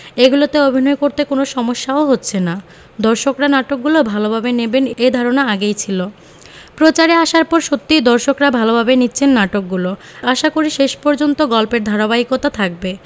এগুলোতে অভিনয় করতে কোনো সমস্যাও হচ্ছে না দর্শকরা নাটকগুলো ভালোভাবে নেবেন এ ধারণা আগেই ছিল প্রচারে আসার পর সত্যিই দর্শকরা ভালোভাবে নিচ্ছেন নাটকগুলো আশাকরি শেষ পর্যন্ত গল্পের ধারাবাহিকতা থাকবে